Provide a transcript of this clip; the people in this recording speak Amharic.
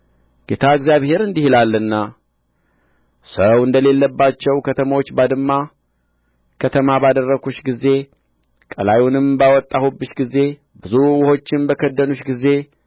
ጌታ እግዚአብሔር እንዲህ ይላልና ሰው እንደሌለባቸው ከተሞች ባድማ ከተማ ባደረግሁሽ ጊዜ ቀላዩንም ባወጣሁብሽ ጊዜ ብዙ ውኆችም በከደኑሽ ጊዜ